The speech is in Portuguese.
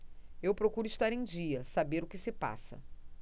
eu procuro estar em dia saber o que se passa